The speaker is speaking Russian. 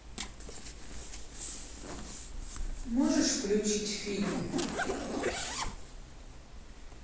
можешь включить фильм